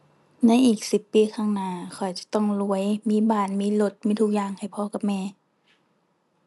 ในอีกสิบปีข้างหน้า ข้อยจะต้องรวย มีบ้าน มีรถ มีทุกอย่างให้พ่อกับแม่